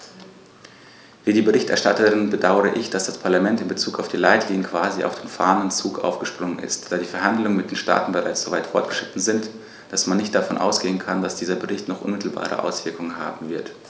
Wie die Berichterstatterin bedaure ich, dass das Parlament in bezug auf die Leitlinien quasi auf den fahrenden Zug aufgesprungen ist, da die Verhandlungen mit den Staaten bereits so weit fortgeschritten sind, dass man nicht davon ausgehen kann, dass dieser Bericht noch unmittelbare Auswirkungen haben wird.